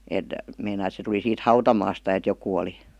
että meinasi että se tuli siitä hautamaasta että joku oli